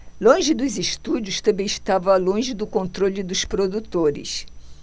longe dos estúdios também estava longe do controle dos produtores